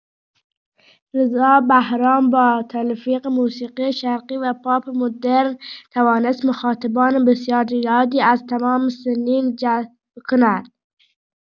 رضا بهرام با تلفیق موسیقی شرقی و پاپ مدرن، توانست مخاطبان بسیار زیادی از تمام سنین جذب کند.